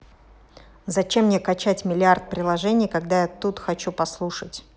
зачем мне качать миллиард приложений когда я хочу тут послушать